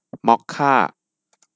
มอคค่า